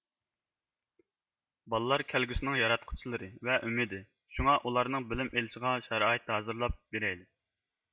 بالىلار كەلگۈسنىڭ ياراتقۇچىلىرى ۋە ئۈمۈدى شۇڭا ئۇلارنىڭ بىلىم ئېلىشىغا شارائىت ھازىرلاپ بېرەيلى